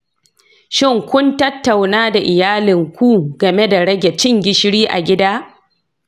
shin kun tattauna da iyalinku game da rage cin gishiri a gida?